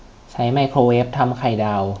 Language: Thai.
ใช้ไมโครเวฟทำไข่ดาว